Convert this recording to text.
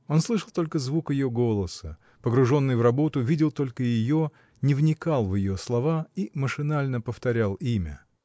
Он слышал только звук ее голоса — погруженный в работу, видел только ее, не вникал в ее слова и машинально повторял имя.